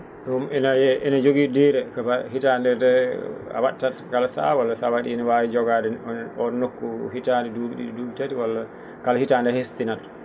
?um ine ine jogii duré hitaande a wattat kala sahaa walla so a wa?ii ne waawi jogaade on nokku hitaande duu?i ?i?i duu?i tati walla kala hitaande a hes?intinat